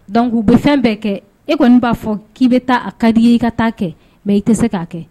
Donc bɛ fɛn bɛɛ kɛ e kɔni b'a fɔ k'i bɛ taa a ka di i ka taa kɛ mɛ i tɛ se k'a kɛ